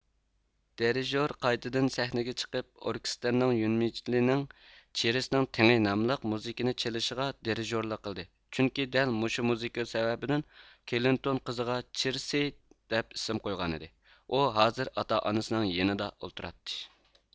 دىرىژور قايتىدىن سەھنىگە چىقىپ ئوركېستىرنىڭ يۈنمىچلنىڭ چىرىسنىڭ تېڭى ناملىق مۇزىكىنى چېلىشىغا دىرىژورلۇق قىلدى چۈنكى دەل مۇشۇ مۇزىكا سەۋەبىدىن كلىنتون قىزىغا چىرسىي دەپ ئىسىم قويغانىدى ئۇ ھازىر ئاتا ئانىسىنىڭ يېنىدا ئولتۇراتتى